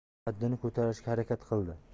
qaddini ko'tarishga harakat qildi